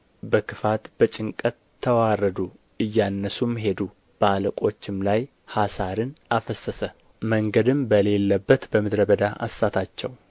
በክፋት በጭንቀት ተዋረዱ እያነሱም ሄዱ በአለቶችም ላይ ኅሣርን አፈሰሰ መንገድም በሌለበት በምድረ በዳ አሳታቸው